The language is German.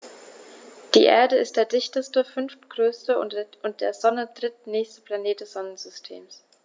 Die Erde ist der dichteste, fünftgrößte und der Sonne drittnächste Planet des Sonnensystems.